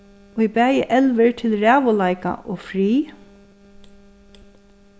ið bæði elvir til ræðuleika og frið